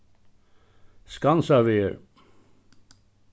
skansavegur